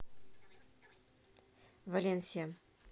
валенсия